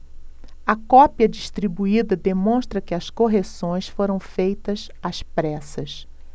a cópia distribuída demonstra que as correções foram feitas às pressas